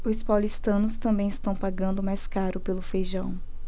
os paulistanos também estão pagando mais caro pelo feijão